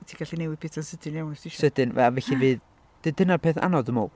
Ti'n gallu newid pethau'n sydyn iawn os ti isio... Sydyn, a felly fydd... ... D- dyna'r peth anodd dwi'n meddwl.